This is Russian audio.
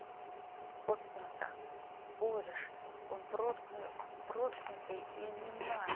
проткнуто корешь он проткнутый и не надо